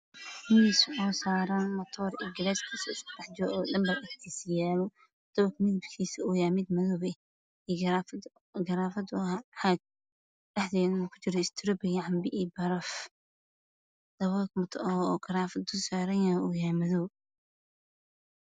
Miis waxaa saaran matoor iyo shidaalkii isku dhex jiro waxaa kalsoonaan midabkiisa waa caddaalad madow waxaa ka koreeya dalal kale